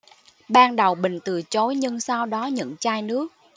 ban đầu bình từ chối nhưng sau đó nhận chai nước